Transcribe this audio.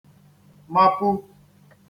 mapu